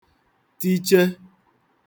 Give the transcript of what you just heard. tiche